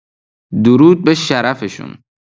درود به شرف‌شون